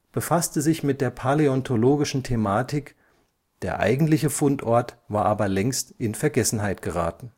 befasste sich mit der paläontologischen Thematik, der eigentliche Fundort war aber längst in Vergessenheit geraten